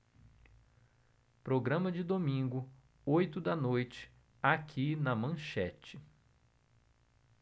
programa de domingo oito da noite aqui na manchete